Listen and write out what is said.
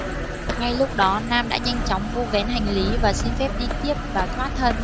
ngay lúc đó nam đã nhanh chóng vu vén hành lý và xin phép đi tiếp và thoát thân